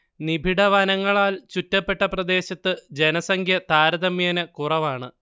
നിബിഢ വനങ്ങളാൽ ചുറ്റപ്പെട്ട പ്രദേശത്ത് ജനസംഖ്യ താരതമ്യേന കുറവാണ്